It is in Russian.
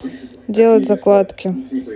делать закладки